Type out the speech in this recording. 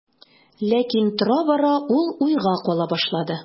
Ләкин тора-бара ул уйга кала башлады.